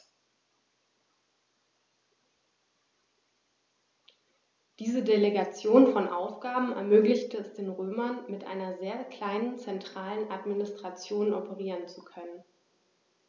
Diese Delegation von Aufgaben ermöglichte es den Römern, mit einer sehr kleinen zentralen Administration operieren zu können.